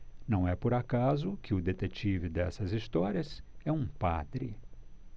não é por acaso que o detetive dessas histórias é um padre